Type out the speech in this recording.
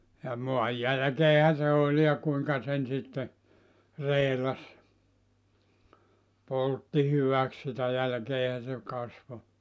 ja maan jälkeenhän se oli ja kuinka sen sitten reilasi poltti hyväksi sitä jälkeenhän se kasvoi